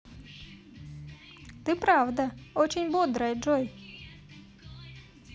ты правда очень бодрая джой